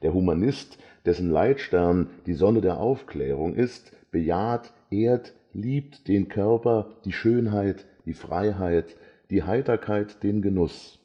Humanist, dessen Leitstern die „ Sonne der Aufklärung “ist, bejaht, ehrt, liebt „ den Körper (…), die Schönheit, die Freiheit, die Heiterkeit, den Genuss